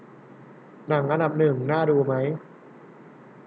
หนังอันดับหนึ่งน่าดูไหม